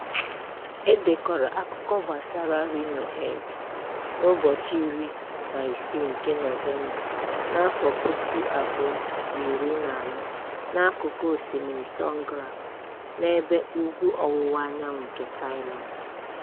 E dekọrọ akụkọ gbasara Rhino Head n'ụbọchị 16 nke Nọvemba, 2014, n'akụkụ Osimiri Songkram n'ebe ugwu ọwụwa anyanwụ nke Thailand.